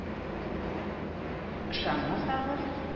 Ышанмасагыз